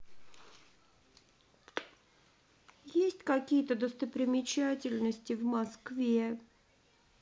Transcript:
какие есть достопримечательности в москве